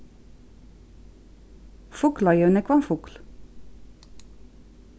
fugloy hevur nógvan fugl